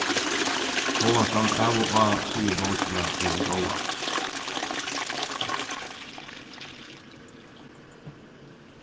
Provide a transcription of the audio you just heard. hóast hann av og á sigur bókina vera góða